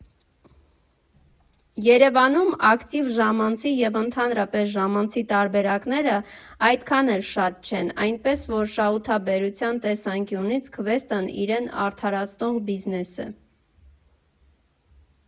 Երևանում ակտիվ ժամանցի և ընդհանրապես ժամանցի տարբերակները այդքան էլ շատ չեն, այնպես որ շահութաբերության տեսանկյունից քվեսթն իրեն արդարացնող բիզնես է։